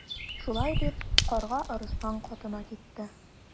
Шулай дип Карга Арыслан катына китте.